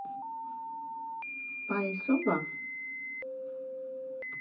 ֊ Պա էս ո՞վ ա։